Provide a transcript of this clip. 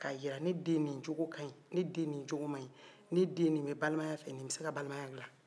k'a yira ne den nin cogo ka ɲi ne den nin cogo ma ɲi ne den nin bɛ balimaya fɛ nin bɛ se ka balimaya dilan